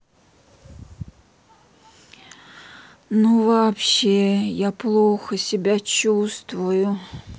ну вообще я плохо себя чувствую